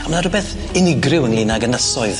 A ma' 'na rwbeth unigryw ynglŷn ag ynysoedd.